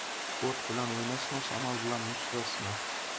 o't bilan o'ynashma shamol bilan mushtlashma